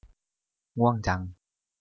ง่วงจัง